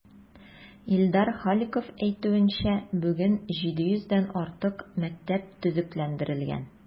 Илдар Халиков әйтүенчә, бүген 700 дән артык мәктәп төзекләндерелгән.